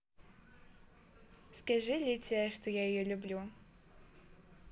скажи лития что я ее люблю